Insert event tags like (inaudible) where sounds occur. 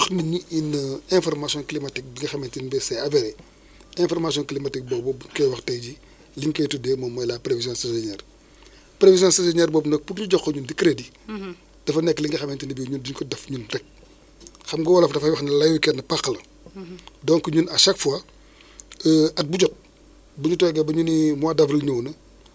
dèjà wax tudd na fi wàllu GTP parce que GTP yi en général (hesitation) ñu nga xam ne ñooy yëngatu si wàllu secteur agricole et rural ñoo fay tase muy service technique yi élevage eaux et forêt (noise) ñun ñu waa agriculture SDDR ak waa DRDR ak tamit béykat yi ah loolu tamit (hesitation) dafa nekk te béykat yi mooy seen (hesitation) leaders yi